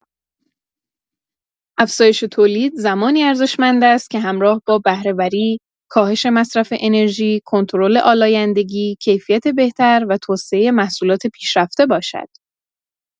افزایش تولید زمانی ارزشمند است که همراه با بهره‌وری، کاهش مصرف انرژی، کنترل آلایندگی، کیفیت بهتر و توسعه محصولات پیشرفته باشد.